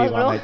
mẹ